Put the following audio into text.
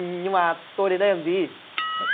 nhưng mà tôi đến đây làm gì